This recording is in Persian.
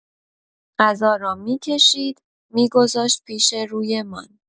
غذا را می‌کشید، می‌گذاشت پیش روی‌مان.